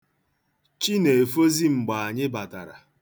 Chi na-efozị mgbe anyị batara.